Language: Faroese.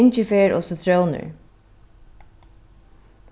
ingifer og sitrónir